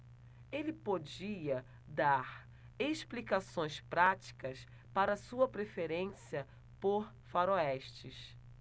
ele podia dar explicações práticas para sua preferência por faroestes